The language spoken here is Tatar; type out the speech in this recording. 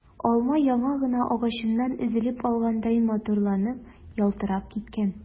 Алма яңа гына агачыннан өзеп алгандай матурланып, ялтырап киткән.